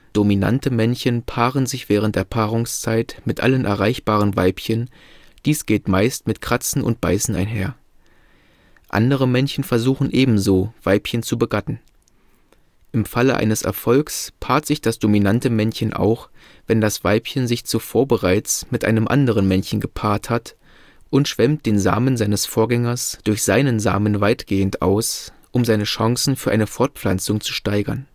Dominante Männchen paaren sich während der Paarungszeit mit allen erreichbaren Weibchen, dies geht meist mit Kratzen und Beißen einher. Andere Männchen versuchen ebenso, Weibchen zu begatten. Im Falle eines Erfolges paart sich das dominante Männchen auch, wenn das Weibchen sich zuvor bereits mit einem anderen Männchen gepaart hat und schwemmt den Samen seines Vorgängers durch seinen Samen weitgehend aus, um seine Chancen für eine Fortpflanzung zu steigern